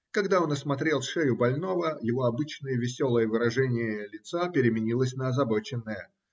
Когда он осмотрел шею больного, его обычное веселое выражение лица переменилось на озабоченное.